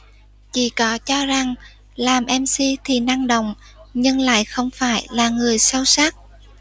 chị có cho rằng làm mc thì năng động nhưng lại không phải là người sâu sắc